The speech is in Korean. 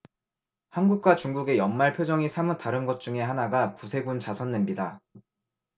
한국과 중국의 연말 표정이 사뭇 다른 것 중의 하나가구세군 자선냄비다